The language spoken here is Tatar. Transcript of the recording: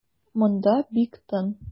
Монда бик тын.